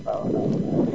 waaw